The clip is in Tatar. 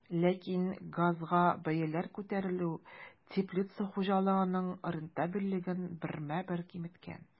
Ләкин газга бәяләр күтәрелү теплица хуҗалыгының рентабельлеген бермә-бер киметкән.